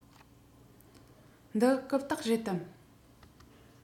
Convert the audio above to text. འདི རྐུབ སྟེགས རེད དམ